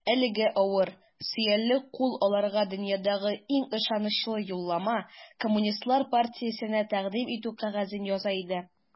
Әлеге авыр, сөялле кул аларга дөньядагы иң ышанычлы юллама - Коммунистлар партиясенә тәкъдим итү кәгазен яза иде.